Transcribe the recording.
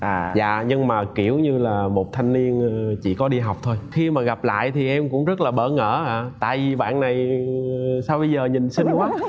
dạ nhưng mà kiểu như là một thanh niên chỉ có đi học thôi khi mà gặp lại thì em cũng rất là bỡ ngỡ ạ tại vì bạn này sao bây giờ nhìn xinh quá